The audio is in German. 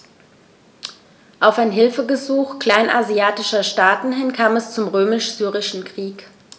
Auf ein Hilfegesuch kleinasiatischer Staaten hin kam es zum Römisch-Syrischen Krieg.